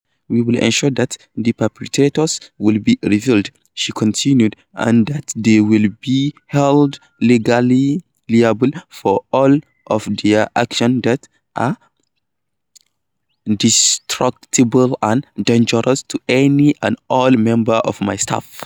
"We will ensure that the perpetrators will be revealed," she continued, "and that they will be held legally liable for all of their actions that are destructible and dangerous to any and all members of my staff."